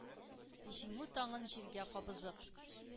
Җиңү таңын җиргә кабызып,